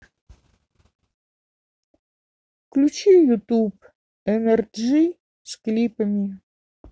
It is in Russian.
включи ютуб энерджи с клипами